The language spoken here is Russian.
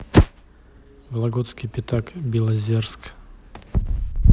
вологодский пятак белозерск